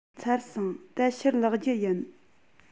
ཚར སོང ད ཕྱིར ལོག རྒྱུ ཡིན